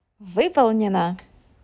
выполнено